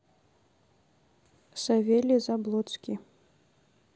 савелий заблодский